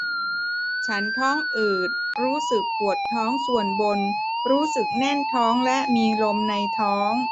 ฉันท้องอืดรู้สึกปวดท้องส่วนบนรู้สึกแน่นท้องและมีลมในท้อง